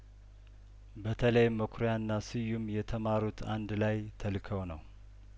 በተለይ መኩሪያና ስዩም የተማሩት አንድ ላይ ተ ልከው ነው